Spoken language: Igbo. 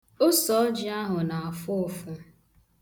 Osọọjị ahụ na-afụ ụfụ.